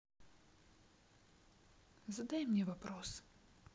задай мне вопрос